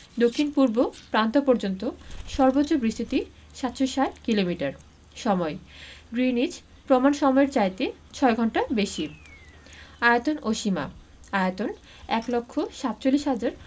দক্ষিণপূর্ব প্রান্ত পর্যন্ত সর্বোচ্চ বিস্তিতি ৭৬০ কিলোমিটার সময়ঃ গ্রীনিচ প্রমাণ সমইয়ের চাইতে ৬ ঘন্টা বেশি আয়তন ও সীমাঃ আয়তন ১লক্ষ ৪৭হাজার